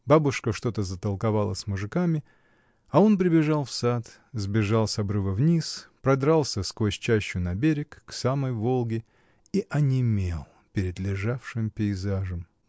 Бабушка что-то затолковалась с мужиками, а он прибежал в сад, сбежал с обрыва вниз, продрался сквозь чащу на берег, к самой Волге, и онемел перед лежавшим пейзажем.